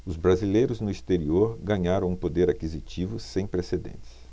os brasileiros no exterior ganharam um poder aquisitivo sem precedentes